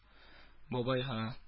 Бабайга